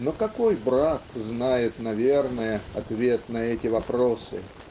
но какой брат знает наверное ответ на эти вопросы